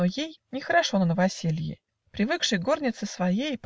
но ей Нехорошо на новоселье, Привыкшей к горнице своей.